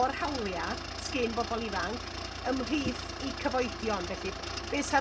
o'r hawlia' s'gyn bobol ifanc ymhlith i cyfoedion? Felly be 'sa'r